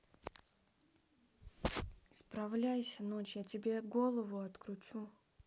исправляйся ночь я тебе голову откручу